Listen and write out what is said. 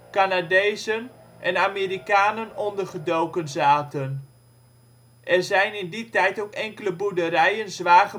Canadezen en Amerikanen ondergedoken zaten. Er zijn in die tijd ook enkele boerderijen zwaar